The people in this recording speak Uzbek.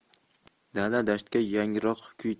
dala dashtga yangroq kuy